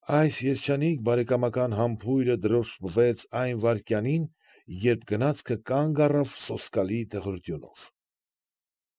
Այս երջանիկ բարեկամական համբույրը դրոշմվեց այն վայրկյանին, երբ գնացքը կանգ առավ սոսկալի դղրդյունով։